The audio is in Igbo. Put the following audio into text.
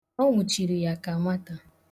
Ọ nwụchiri ya ka nwata.